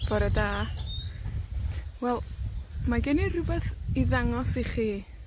Bore da. Wel, mae gen i rwbeth i ddangos i chi